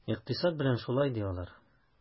Икътисад белән дә шулай, ди алар.